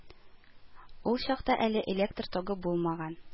Ул чакта әле электр тогы булмаган